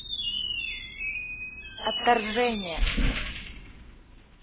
отторжение